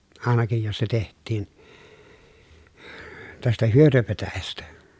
ainakin jos se tehtiin tästä hyötypetäjästä